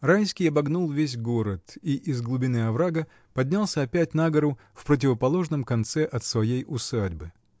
Райский обогнул весь город и из глубины оврага поднялся опять на гору, в противоположном конце от своей усадьбы.